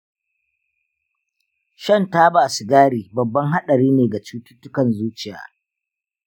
shan taba sigari babban haɗari ne ga cututtukan zuciya.